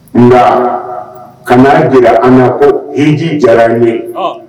Nka ka na jira an na ko hiji diyara n ye